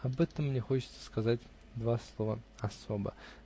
Об этом мне хочется сказать два слова особо.